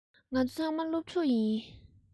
ང ཚོ ཚང མ སློབ ཕྲུག ཡིན